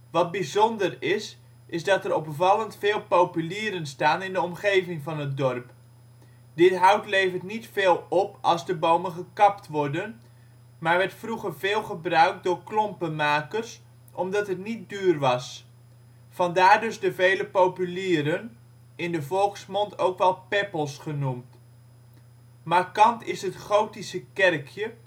bijzonder is, is dat er opvallend veel populieren staan in de omgeving van het dorp. Dit hout levert niet veel op als de bomen gekapt worden, maar werd vroeger veel gebruikt door klompenmakers, omdat het niet duur was. Vandaar dus de vele populieren, in de volksmond ook wel ' peppels ' genoemd. Markant is het gotische kerkje